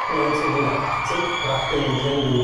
1980 brachte Nintendo